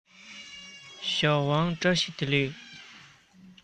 ཞའོ ཝང ལགས བཀྲ ཤིས བདེ ལེགས